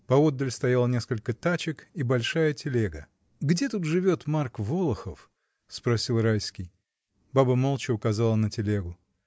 Поодаль стояло несколько тачек и большая телега. — Где тут живет Марк Волохов? — спросил Райский. Баба молча указала на телегу.